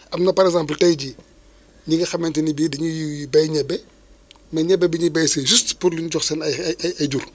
am na par exemple tey jii éni nga xamante ne bi dañuy béy ñebe mais ñebe bi ñuy béy c' est juste pour lu ñu jox seen ay ay ay jur